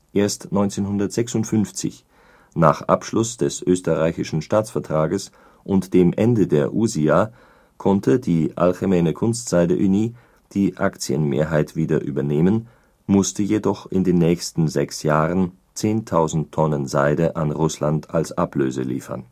Erst 1956, nach Abschluss des österreichischen Staatsvertrages und dem Ende der USIA, konnte die Algemene Kunstzijde Unie die Aktienmehrheit wieder übernehmen, musste jedoch in den nächsten sechs Jahren 10.000 Tonne Seide an Russland als Ablöse liefern